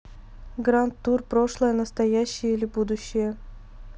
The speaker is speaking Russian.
гранд тур прошлое настоящее или будущее